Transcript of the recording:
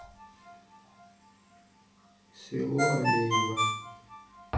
село алеево